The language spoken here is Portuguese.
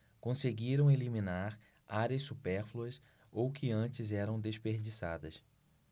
conseguiram eliminar áreas supérfluas ou que antes eram desperdiçadas